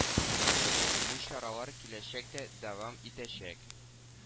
Бу чаралар киләчәктә дә дәвам итәчәк